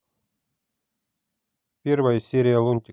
первая серия лунтика